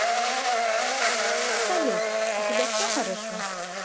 салют у тебя все хорошо